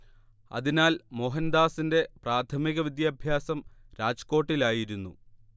അതിനാൽ മോഹൻദാസിന്റെ പ്രാഥമിക വിദ്യാഭ്യാസം രാജ്കോട്ടിലായിരുന്നു